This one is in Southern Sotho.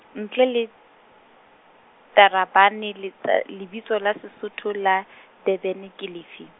ntle le, Tarabane letsa, lebitso la Sesotho la , Durban ke lefe?